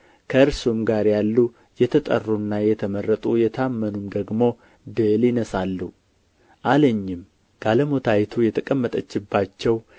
ከእርሱም ጋር ያሉ የተጠሩና የተመረጡ የታመኑም ደግሞ ድል ይነሣሉ አለኝም ጋለሞታይቱ የተቀመጠችባቸው